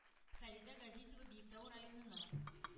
Фәридә Газизова, Биектау районының